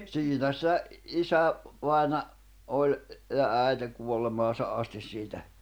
siinä se - isävainaja oli ja äiti kuolemaansa asti siitä